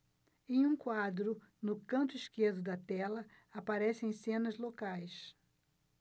em um quadro no canto esquerdo da tela aparecem cenas locais